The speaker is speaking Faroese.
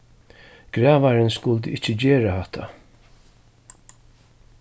gravarin skuldi ikki gera hatta